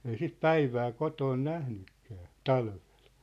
ei sitä päivää kotona nähnytkään talvella